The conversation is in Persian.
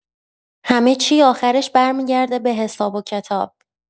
همه‌چی آخرش برمی‌گرده به‌حساب و کتاب.